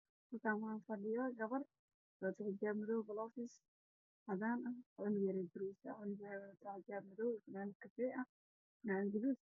Meshaan waxaa fadhido gabar wadato xijaabo madow ah iyo galoofis cadaan ah